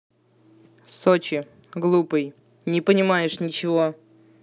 сочи глупый не понимаешь ничего